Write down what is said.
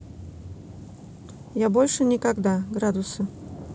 я больше никогда градусы